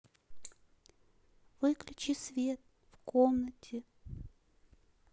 выключи свет в комнате